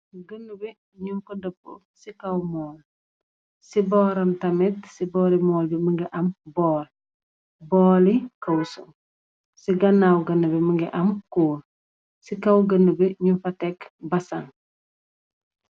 Ganna bi ñing ko dapu ci kaw mool ci boram tamid ci bóri mool bi mugii am bóól, bóól li kawsu ci ganaw Ganna bi mugii am kuur. Ci kaw Ganna bi ñing fa tek basang.